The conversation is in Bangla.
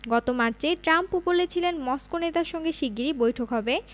গত মার্চে ট্রাম্প বলেছিলেন মস্কো নেতার সঙ্গে শিগগিরই বৈঠক হবে